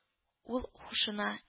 — ул һушына